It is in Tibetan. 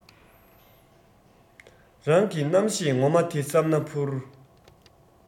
རང གི རྣམ ཤེས ངོ མ དེ བསམ ན འཕུར